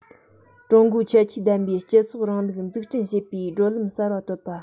ཀྲུང གོའི ཁྱད ཆོས ལྡན པའི སྤྱི ཚོགས རིང ལུགས འཛུགས སྐྲུན བྱེད པའི བགྲོད ལམ གསར པ བཏོད